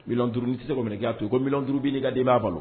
5000000 ni tɛ se k'o minɛ i k'a to ye ko 5000000 b'i ni ka denbaya bolo.